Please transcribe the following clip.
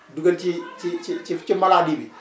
dugal ci ci ci ci ci maladie bi